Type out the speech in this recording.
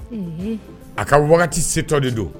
A ka wagati setɔ de don